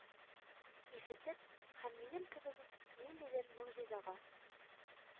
Ишетеп, һәм минем кебек үк ниндидер могҗизага,